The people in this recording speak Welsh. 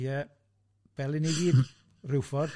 Ie, fel i ni gyd, ryw ffordd.